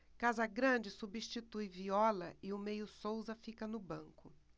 casagrande substitui viola e o meia souza fica no banco